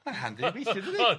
Ma'n handi weithie dydi?